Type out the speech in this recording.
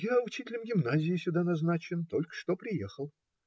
- Я учителем гимназии сюда назначен. Только что приехал.